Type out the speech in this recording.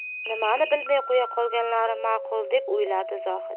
nimani bilmay qo'ya qolganlari ma'qul deb o'yladi zohid